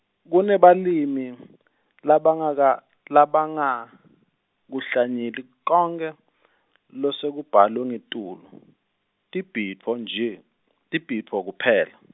Kunebalimi labangaga- labangakuhlanyeli konkhe losekubalwe ngetulu, tibhidvo nje tibhidvo kuphela.